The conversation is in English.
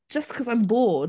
Just 'cause I'm bored!